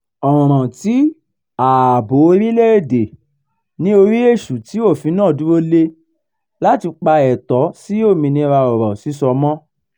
Ọ̀ràn-an ti "ààbò orílẹ̀-èdè" ni orí Èṣù tí òfin náà dúró lé láti pa ẹ̀tọ́ sí òmìnira ọ̀rọ̀ sísọ mọ́.